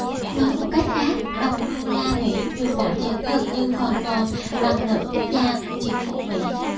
nói một cách khác đồng đô la mỹ được bảo chứng gần như hoàn toàn bằng nợ quốc gia của chính phủ mỹ